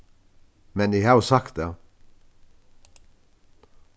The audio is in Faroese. men eg havi sagt tað